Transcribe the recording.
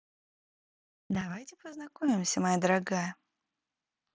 давайте познакомимся моя дорогая